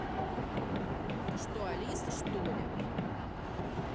ты что алиса что ли